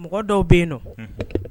Mɔgɔ dɔw bɛ yen nɔ